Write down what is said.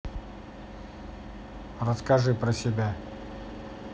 расскажи про себя